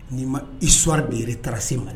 Nii ma i swa bɛ yɛrɛ taara se ma